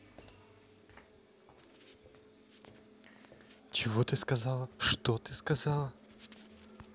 чего ты сказала что ты сказал